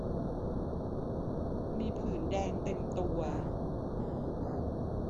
มีผื่นแดงเต็มตัว